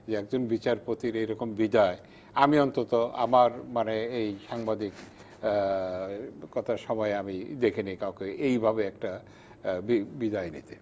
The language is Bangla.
যে একজন বিচারপতির এরকম বিদায় আমি অন্তত আমার মানে এই সাংবাদিকতার সময় দেখি নি কাউকে এভাবে একটা বিদায় নিতে